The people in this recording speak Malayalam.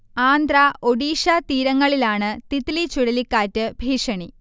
ആന്ധ്ര, ഒഡീഷ തീരങ്ങളിലാണ് തിത്ലി ചുഴലിക്കാറ്റ് ഭീഷണി